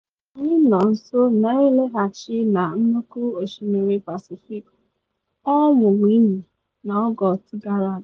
“Anyị nọ nso na ịlaghachi na Nnukwu Osimiri Pasifik,” ọ ṅwụrụ iyi na Ọgọst gara aga.